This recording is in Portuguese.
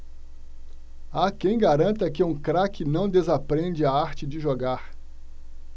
há quem garanta que um craque não desaprende a arte de jogar